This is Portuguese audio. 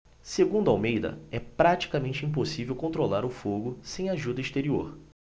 segundo almeida é praticamente impossível controlar o fogo sem ajuda exterior